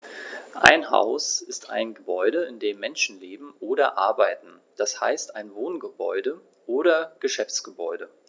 Ein Haus ist ein Gebäude, in dem Menschen leben oder arbeiten, d. h. ein Wohngebäude oder Geschäftsgebäude.